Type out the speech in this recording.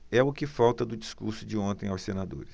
é o que salta do discurso de ontem aos senadores